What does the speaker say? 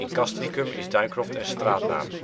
Castricum is Duyncroft een straatnaam